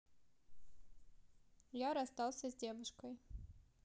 я расстался с девушкой